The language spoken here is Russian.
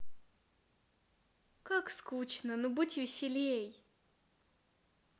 как скучно но будет веселей